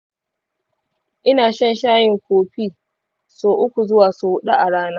ina shan shayin coffee sau uku zuwa huɗu a rana